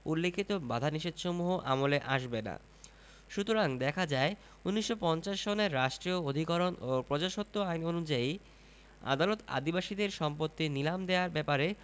উল্লেখিত বাধানিষেধসমূহ আমলে আসবেনা সুতরাং দেখা যায় ১৯৫০ সনের রাষ্ট্রীয় অধিগ্রহণ ও প্রজাস্বত্ব আইন অনুযায়ী আদালত আদিবাসীদের সম্পত্তি নীলাম দেয়ার ব্যাপারে